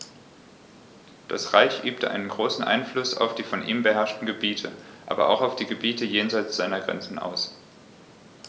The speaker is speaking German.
Das Reich übte einen großen Einfluss auf die von ihm beherrschten Gebiete, aber auch auf die Gebiete jenseits seiner Grenzen aus.